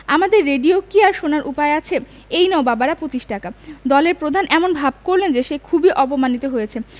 আমাদের রেডিও কি আর শোনার উপায় আছে এই নাও বাবার পঁচিশ টাকা দলের প্রধান এমন ভাব করল যে সে খুবই অপমানিত হয়েছে